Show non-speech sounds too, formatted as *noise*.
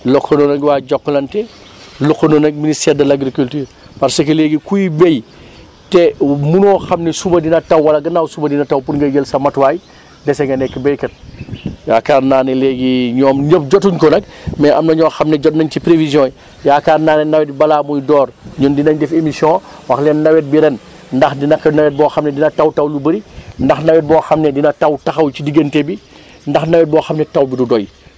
lëkkaloo nañ waa Jokalante lëkkaloo nañ ministère de l' agriculture parce que léegi kuy béy te munoo xam ni suba dina taw wala gànnaaw suba dina taw pour nga jël sa matuwaay dese nga nekk béykat *noise* yaakaar naa ni léegi ñoom ñëpp jotuñ ko nag *breath* mais am na ñoo xam ne jot nañ ci prévisions yi yaakaar naa ne nawet bi balaa muy door ñun dinañ defi émission wax leen nawet bi ren ndax du nekk nawet boo xam ni dina taw taw lu bëri *breath* ndax nawet boo xam ne dina taw taxaw si diggante bi *breath* ndax nawet boo xam ne taw bi du doy